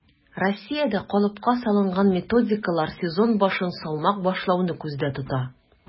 Россиядә калыпка салынган методикалар сезон башын салмак башлауны күздә тота: